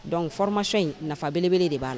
Donc formation in nafa belebele de b'a la.